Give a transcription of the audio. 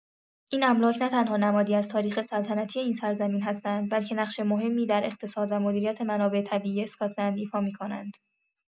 این املاک نه‌تنها نمادی از تاریخ سلطنتی این سرزمین هستند، بلکه نقش مهمی در اقتصاد و مدیریت منابع طبیعی اسکاتلند ایفا می‌کنند.